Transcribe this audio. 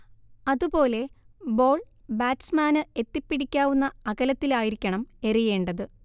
അതുപോലെ ബോൾ ബാറ്റ്സ്മാന് എത്തിപ്പിടിക്കാവുന്ന അകലത്തിലായിരിക്കണം എറിയേണ്ടത്